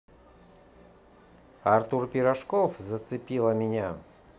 артур пирожков зацепила меня